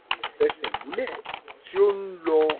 Ìfẹsẹ̀múlẹ̀ tí ó ń lọ